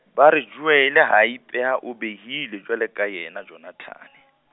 ba re Joele ha a ipeha o behilwe jwalo ka yena Jonathane.